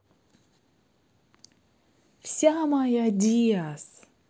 вся моя diazz